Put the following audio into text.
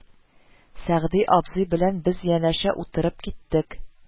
Сәгъди абзый белән без янәшә утырып киттек